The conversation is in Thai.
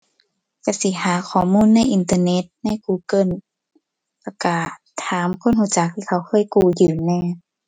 ก็สิหาข้อมูลในอินเทอร์เน็ต ใน Google แล้วก็ถามคนก็จักที่เขาเคยกู้ยืมแหน่